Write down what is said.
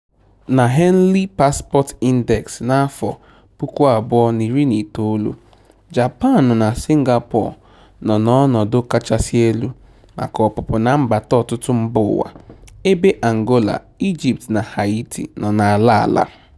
Na Henley Passport Index n'afọ 2019, Japan na Singapore nọ n'ọnọdụ kachasị elu maka ọpụpụ na mbata ọtụtụ mbaụwa, ebe Angola, Ijipt na Haiti nọ n'ala ala.